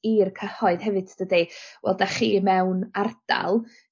i'r cyhoedd hefyd dydi wel 'dach chi mewn ardal